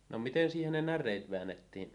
no miten siihen ne näreet väännettiin